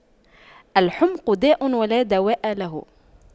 الحُمْقُ داء ولا دواء له